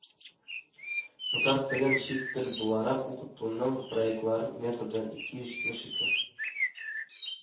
Татар телен чит тел буларак укытуның проектлар методы ике йөз җитмеш ике